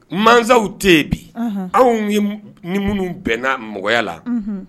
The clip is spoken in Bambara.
Masaw tɛ yen, unhun, anw ni minnu bɛnna mɔgɔ la, unhun